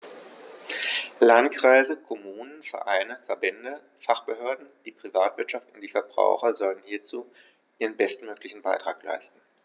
Landkreise, Kommunen, Vereine, Verbände, Fachbehörden, die Privatwirtschaft und die Verbraucher sollen hierzu ihren bestmöglichen Beitrag leisten.